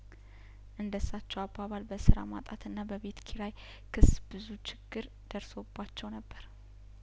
እንደ እሳቸው አባባል በስራ ማጣትና በቤት ኪራይ ክስ ብዙ ችግር ደርሶባቸው ነበር